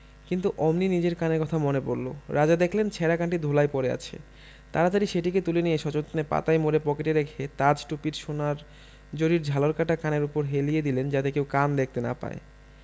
কিন্তু অমনি নিজের কানের কথা মনে পড়ল রাজা দেখলেন ছেঁড়া কানটি ধূলায় পড়ে আছে তাড়াতাড়ি সেটিকে তুলে নিয়ে সযত্নে পাতায় মুড়ে পকেটে রেখে তাজ টুপির সোনার জরির ঝালর কাটা কানের উপর হেলিয়ে দিলেন যাতে কেউ কান দেখতে না পায়